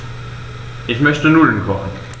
Ich möchte Nudeln kochen.